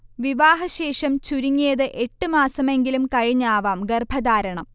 വിവാഹശേഷം ചുരുങ്ങിയത് എട്ട് മാസമെങ്കിലും കഴിഞ്ഞാവാം ഗർഭധാരണം